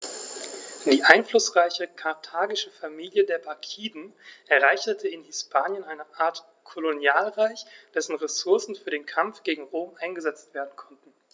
Die einflussreiche karthagische Familie der Barkiden errichtete in Hispanien eine Art Kolonialreich, dessen Ressourcen für den Kampf gegen Rom eingesetzt werden konnten.